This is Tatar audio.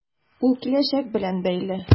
Ул киләчәк белән бәйле.